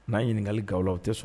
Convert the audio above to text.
N'a ɲininkakali galaw aw u tɛ sɔn